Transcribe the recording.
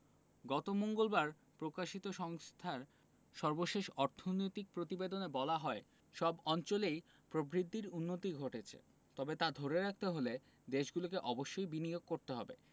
গত মঙ্গলবার প্রকাশিত সংস্থার সর্বশেষ অর্থনৈতিক প্রতিবেদনে বলা হয় সব অঞ্চলেই প্রবৃদ্ধির উন্নতি ঘটেছে তবে তা ধরে রাখতে হলে দেশগুলোকে অবশ্যই বিনিয়োগ করতে হবে